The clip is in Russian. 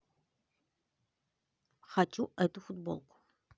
хочу эту футболку